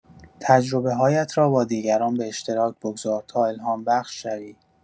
تجربه‌هایت را با دیگران به اشتراک بگذار تا الهام‌بخش شوی.